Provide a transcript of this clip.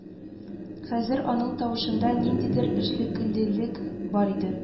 Хәзер аның тавышында ниндидер эшлеклелек бар иде